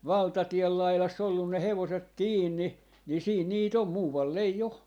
valtatien laidassa ollut ne hevoset kiinni niin siinä niitä on muualla ei ole